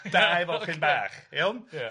dau fochyn bach, iawn? Ia.